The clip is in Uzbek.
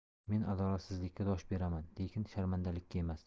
men adolatsizlikka dosh beraman lekin sharmandalikka emas